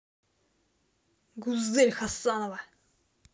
гузель хасанова